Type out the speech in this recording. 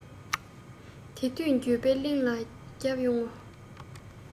དེ དུས འགྱོད པའི གླིང ལ བརྒྱབ ཡོང ངོ